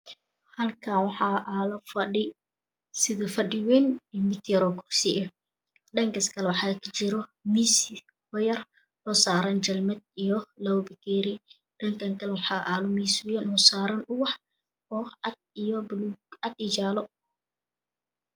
Halkaan waxa aalo fadhi weyn mid yar korsi ah dhankaas waxa kajiro mis yar o jalmad saaran iyo labo bakeri halkan waxa yalo mis weyn o ubax saran o cad bulug cad jalo